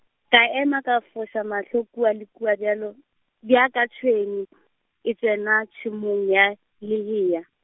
ka ema ka foša mahlo kua le kua bjalo, bjaka tšhwene , e tsena tšhemong ya, lehea.